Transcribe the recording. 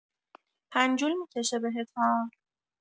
پنجول می‌کشه بهت‌ها.